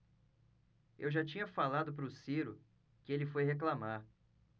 eu já tinha falado pro ciro que ele foi reclamar